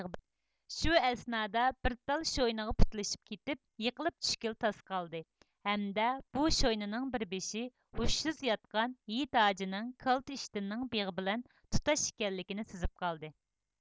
شۇ ئەسنادا بىر تال شوينىغا پۇتلىشىپ كېتىپ يېقىلىپ چۈشكىلى تاس قالدى ھەمدە بۇ شوينىنىڭ بىر بېشى ھوشسىز ياتقان ھېيت ھاجىنىڭ كالتە ئىشتىنىنىڭ بېغى بىلەن تۇتاش ئىكەنلىكىنى سېزىپ قالدى